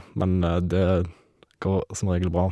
Men det går som regel bra.